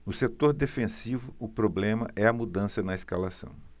no setor defensivo o problema é a mudança na escalação